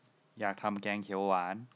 อยากทำแกงเขียวหวาน